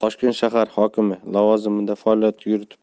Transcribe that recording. toshkent shahar hokimi lavozimida faoliyat yuritib